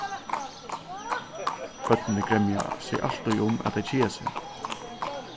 børnini gremja seg altíð um at tey keða seg